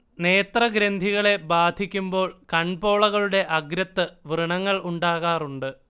നേത്രഗ്രന്ഥികളെ ബാധിക്കുമ്പോൾ കൺപോളകളുടെ അഗ്രത്ത് വ്രണങ്ങൾ ഉണ്ടാകാറുണ്ട്